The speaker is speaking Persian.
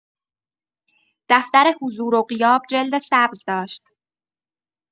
دفتر حضور و غیاب جلد سبز داشت.